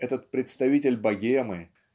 этот представитель богемы